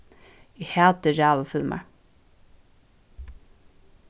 eg hati ræðufilmar